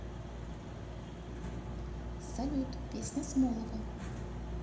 салют песня смолова